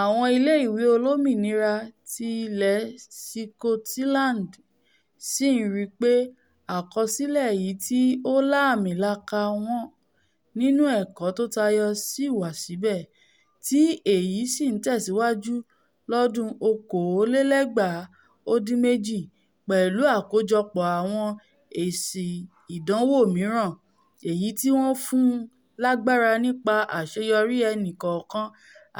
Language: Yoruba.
Àwọn ilé ìwé olómìnira ti ilẹ̀ Sikọtiland ńsì ríipé àkọsílẹ̀ èyití o lààmì-laaka wọn nínú ẹ̀kọ́ tótayọ sì wà síbẹ̀, tí èyí sì ńtẹ̀síwájú lọ́dún 2018 pẹ̀lú àkójọpọ̀ àwọn èsì ìdánwò mìíràn, èyití wọ́n fún lágbára nípa àṣeyọrí ẹnìkọ̀òkan